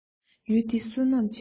ཡུལ འདི བསོད ནམས ཆེན མོ